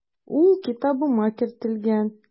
Ул китабыма кертелгән.